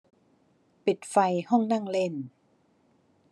ปิดไฟห้องนั่งเล่น